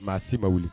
Maa si ma wuli